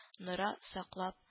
Нора саклап